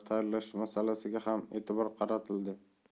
tayyorlash masalasiga ham e'tibor qaratildi